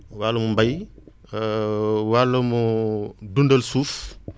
wàllum mbéy wàllum dundal suuf